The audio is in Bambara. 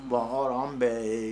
Bɔn hɔrɔn bɛ yen